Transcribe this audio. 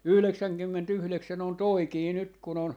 yhdeksänkymmentäyhdeksän on toikin nyt kun on